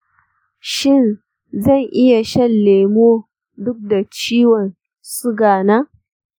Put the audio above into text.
shin zan iya shan lemu duk da ciwon suga na?